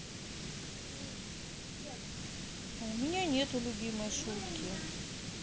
а у меня нету любимой шутки